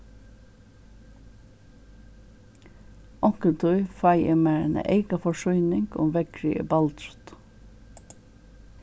onkuntíð fái eg mær eina eyka forsýning um veðrið er baldrut